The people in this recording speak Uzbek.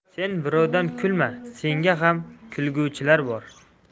sen birovdan kulma senga ham kulguvchilar bor